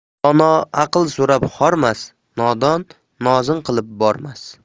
dono aql so'rab hormas nodon nozin qilib bormas